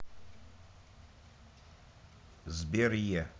сбер е